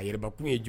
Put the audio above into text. A yɛrɛ kun ye